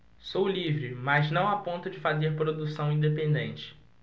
sou livre mas não a ponto de fazer produção independente